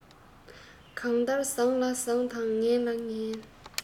གང ལྟར བཟང ལ བཟང དང ངན ལ ངན